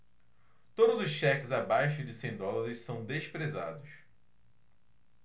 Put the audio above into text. todos os cheques abaixo de cem dólares são desprezados